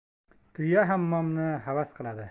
tuya hammomni havas qilar